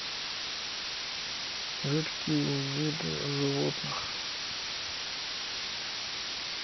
редкие виды животных